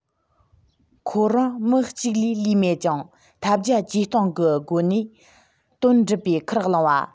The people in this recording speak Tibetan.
ཁོ རང མི གཅིག ལས ལུས མེད ཀྱང ཐབས བརྒྱ ཇུས སྟོང གི སྒོ ནས ལས དོན འགྲུབ པའི ཁུར བླངས པ